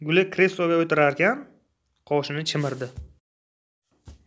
guli kresloga o'tirarkan qoshini chimirdi